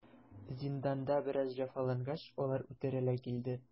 Зинданда бераз җәфалангач, алар үтерелә килде.